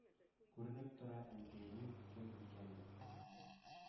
Күренеп тора, Әнкәйнең кем икәнен